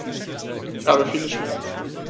Ich habe viele Schmerzen.